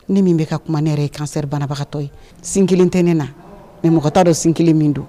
Ne min bɛka ka kuma ne yɛrɛ ye kansɛri banabagatɔ ye , sin 1 tɛ ne na mais mɔgɔ t'o don sin kelen min don!